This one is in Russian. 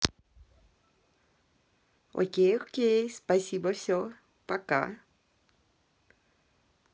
окей окей спасибо все пока